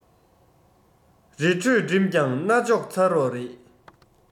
རི ཁྲོད འགྲིམས ཀྱང རྣ ཅོག ཚ རོགས རེད